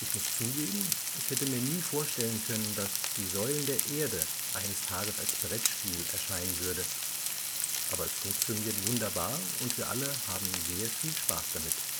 muss zugeben, ich hätte mir nie vorstellen können, dass ‚ Die Säulen der Erde ‘eines Tages als Brettspiel erscheinen würde. Aber es funktioniert wunderbar und wir alle haben sehr viel Spaß damit